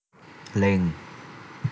เล็ง